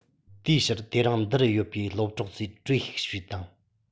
དེའི ཕྱིར དེ རིང འདིར ཡོད པའི སློབ གྲོགས ཚོས གྲོས ཤིག བྱོས དང